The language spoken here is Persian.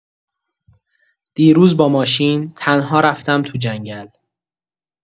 دیروز با ماشین تنها رفتم تو جنگل.